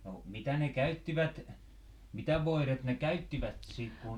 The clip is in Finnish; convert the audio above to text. no mitä ne käyttivät mitä voidetta ne käyttivät sitten kun